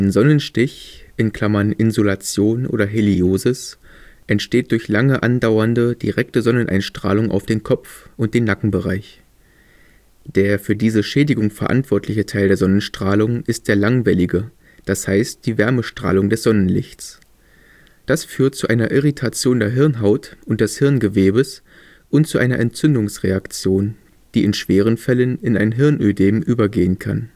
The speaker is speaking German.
Sonnenstich (Insolation, Heliosis) entsteht durch lange andauernde direkte Sonneneinstrahlung auf den Kopf und den Nackenbereich. Der für diese Schädigung verantwortliche Teil der Sonnenstrahlung ist der langwellige, das heißt die Wärmestrahlung des Sonnenlichtes. Das führt zu einer Irritation der Hirnhaut und des Hirngewebes und zu einer Entzündungsreaktion, die in schweren Fällen in ein Hirnödem übergehen kann